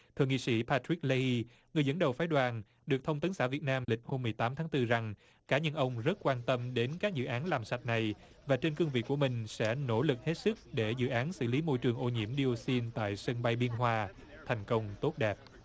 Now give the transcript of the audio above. thượng nghị sĩ ba trích lê y người dẫn đầu phái đoàn được thông tấn xã việt nam hôm mười tám tháng tư rằng cá nhân ông rất quan tâm đến các dự án làm sạch này và trên cương vị của mình sẽ nỗ lực hết sức để dự án xử lý môi trường ô nhiễm đi ô xin tại sân bay biên hòa thành công tốt đẹp